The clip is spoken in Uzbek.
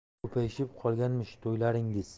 ko'payishib qolganmish to'ylaringiz